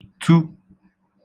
tu